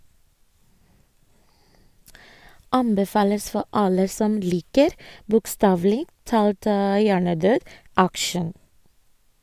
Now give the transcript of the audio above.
Anbefales for alle som liker bokstavelig talt hjernedød action.